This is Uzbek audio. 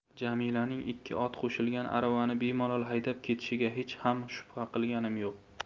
jamilaning ikki ot qo'shilgan aravani bemalol haydab ketishiga hech ham shubha qilganim yo'q